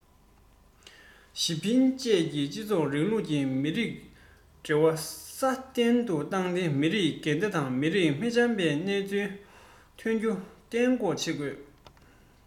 ཞི མཐུན བཅས ཀྱི སྤྱི ཚོགས རིང ལུགས ཀྱི མི རིགས འབྲེལ བ སྲ བརྟན དུ བཏང སྟེ མི རིགས འགལ ཟླ དང མི རིགས མི འཆམ པའི སྣང ཚུལ ཐོན རྒྱུ གཏན འགོག བྱེད དགོས